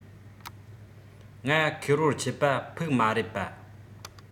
ང ཁེར བོར ཆད པ ཕིག མ རེད པ